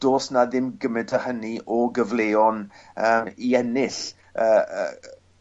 do's 'na ddim gymint â hynny o gyfleon yy i ennill y y y